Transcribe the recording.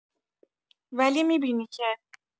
ولی می‌بینی که!